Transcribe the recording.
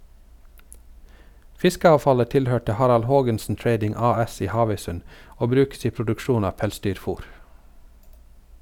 Fiskeavfallet tilhørte Harald Haagensen Trading AS i Havøysund, og brukes i produksjon av pelsdyrfr.